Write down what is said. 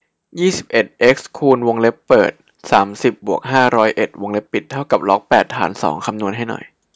ยี่สิบเอ็ดเอ็กซ์คูณวงเล็บเปิดสามสิบบวกห้าร้อยเอ็ดวงเล็บปิดเท่ากับล็อกแปดฐานสองคำนวณให้หน่อย